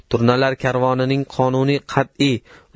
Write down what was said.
turnalar karvonining qonuni qat'iy